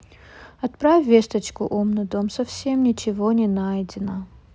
отправь весточку умный дом совсем ничего не найдено